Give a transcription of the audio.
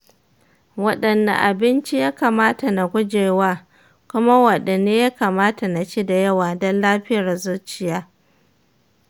waɗanne abinci ya kamata na gujewa kuma waɗanne ya kamata na ci da yawa don lafiyar zuciya?